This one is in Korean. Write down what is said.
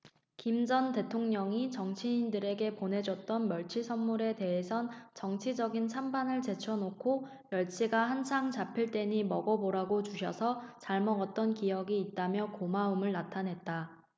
김 전 대통령이 정치인들에게 보내줬던 멸치 선물에 대해선 정치적인 찬반을 제쳐놓고 멸치가 한창 잡힐 때니 먹어보라고 주셔서 잘 먹었던 기억이 있다며 고마움을 나타냈다